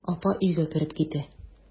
Апа өйгә кереп китә.